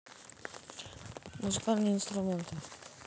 музыкальные инструменты